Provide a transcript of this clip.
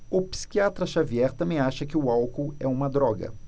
o psiquiatra dartiu xavier também acha que o álcool é uma droga